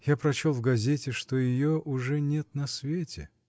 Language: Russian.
я прочел в газете, что ее уже нет на свете.